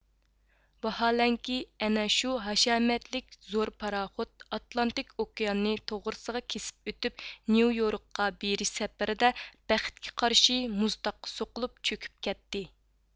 ۋەھالەنكى ئەنە شۇ ھەشەمەتلىك زور پاراخوت ئاتلانتىك ئوكياننى توغرىسىغا كېسىپ ئۆتۈپ نيۇ يوركقا بېرىش سەپىرىدە بەختكە قارشى مۇز تاغقا سوقۇلۇپ چۆكۈپ كەتتى